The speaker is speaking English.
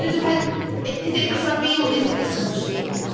It depends. I- is it crummy or is it crunchy?